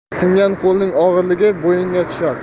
singan qo'lning og'irligi bo'yinga tushar